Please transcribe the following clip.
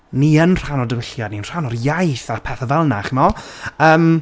Ni yn rhan o'r diwylliant, ni'n rhan o'r iaith, a pethe fel 'na, chimod? Yym...